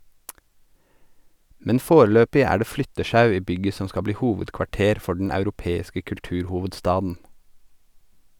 Men foreløpig er det flyttesjau i bygget som skal bli hovedkvarter for den europeiske kulturhovedstaden.